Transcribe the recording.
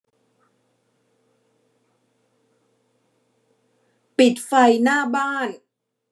ปิดไฟหน้าบ้าน